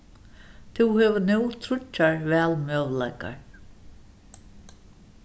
tú hevur nú tríggjar valmøguleikar